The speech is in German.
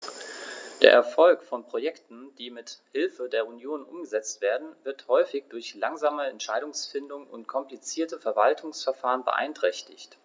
Der Erfolg von Projekten, die mit Hilfe der Union umgesetzt werden, wird häufig durch langsame Entscheidungsfindung und komplizierte Verwaltungsverfahren beeinträchtigt.